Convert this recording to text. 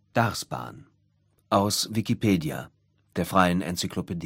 Darßbahn, aus Wikipedia, der freien Enzyklopädie